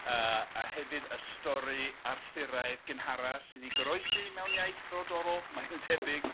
Yy a hefyd y stori Arthuraidd gynhara sy 'di goroesi mewn iaith frodorol, mae'n debyg,